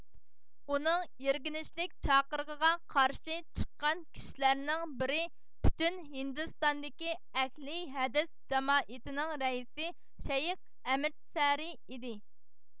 ئۇنىڭ يىرگىنچلىك چاقىرىقىغا قارشى چىققان كىشىلەرنىڭ بىرى پۈتۈن ھىندىستاندىكى ئەھلى ھەدىس جامائىتىنىڭ رەئىسى شەيخ ئەمىرتسەرىي ئىدى